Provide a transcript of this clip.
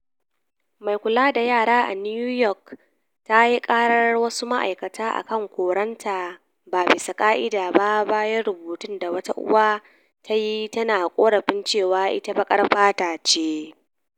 Mai kula da yara a New York tayi ƙarar wasu ma’aurata akan koranta ba bisa ka’ida ba, bayan rubutun da wata uwa tayi tana korafin cewa ita "baƙar fata ce"